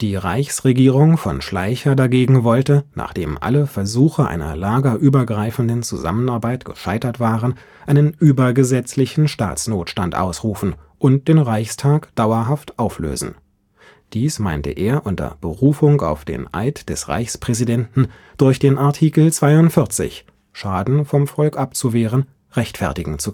Die Reichsregierung von Schleicher dagegen wollte, nachdem alle Versuche einer lagerübergreifenden Zusammenarbeit gescheitert waren, einen übergesetzlichen Staatsnotstand ausrufen und den Reichstag dauerhaft auflösen. Dies meinte er, unter Berufung auf den Eid des Reichspräsidenten, durch den Artikel 42 (Schaden vom Volk abzuwehren) rechtfertigen zu